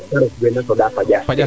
te ref wena soɗa paƴaas ke